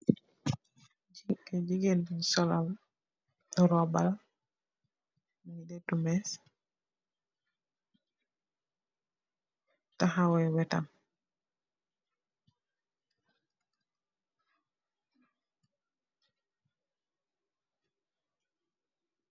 Jigeen bun sol roba la laytu mess taxawe weetam.